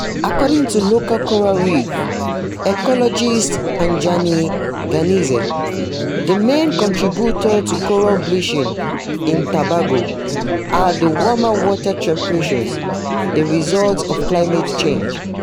According to local coral reef ecologist Anjani Ganase, the main contributors to coral bleaching in Tobago are the warmer water temperatures — a result of climate change.